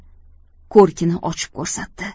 ko'rkini ochib ko'rsatdi